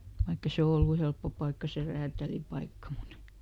vaikka ei se ollut helppo paikka se räätälipaikka mutta